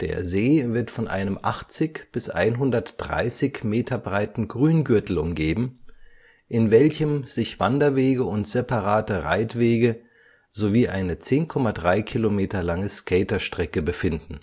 Der See wird von einem 80 bis 130 Meter breiten Grüngürtel umgeben, in welchem sich Wanderwege und separate Reitwege sowie eine 10,3 km lange Skaterstrecke befinden.